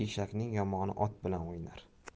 eshakning yomoni ot bilan o'ynar